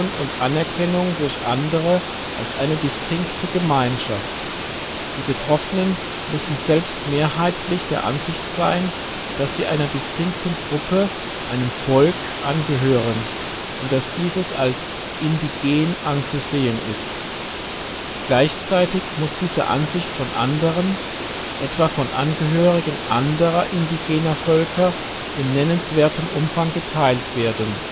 und Anerkennung durch andere als eine distinkte Gemeinschaft: Die Betroffenen müssen selbst mehrheitlich der Ansicht sein, dass sie einer distinkten Gruppe (einem Volk) angehören und dass dieses als " indigen " anzusehen ist. Gleichzeitig muss diese Ansicht von anderen, etwa von Angehörigen anderer indigener Völker in nennenswertem Umfang geteilt werden